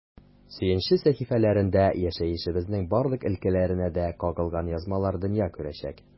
“сөенче” сәхифәләрендә яшәешебезнең барлык өлкәләренә дә кагылган язмалар дөнья күрәчәк.